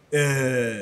Ɛɛ